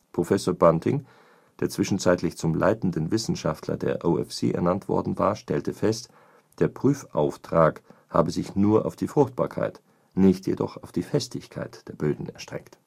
Professor Bunting, der zwischenzeitlich zum Leitenden Wissenschaftler der OFC ernannt worden war, stellte fest, der Prüfauftrag habe sich nur auf die Fruchtbarkeit, nicht jedoch auf die Festigkeit der Böden erstreckt